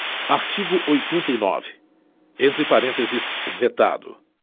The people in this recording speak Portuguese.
artigo oitenta e nove entre parênteses vetado